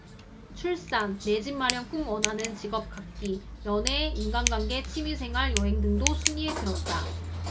출산 내 집 마련 꿈 원하는 직업 갖기 연애 인간관계 취미생활 여행 등도 순위에 들었다